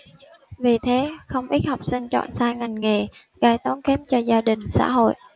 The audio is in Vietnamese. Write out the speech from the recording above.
vì thế không ít học sinh chọn sai ngành nghề gây tốn kém cho gia đình xã hội